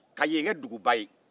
ka yen kɛ duguba ye